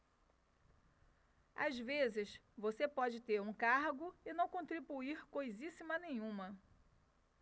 às vezes você pode ter um cargo e não contribuir coisíssima nenhuma